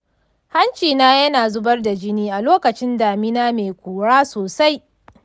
hanci na yana zubar da jini a lokacin damina mai ƙura sosai.